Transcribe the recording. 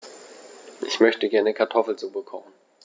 Ich möchte gerne Kartoffelsuppe kochen.